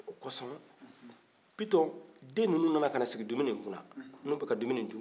o kosɔn bitɔn den ninnu nana ka na sigi dumini kunna n'u bɛ ka dumini dun